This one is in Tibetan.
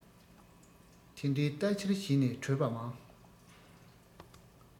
དེ འདྲས རྟ འཁྱེར བྱས ནས བྲོས པ མང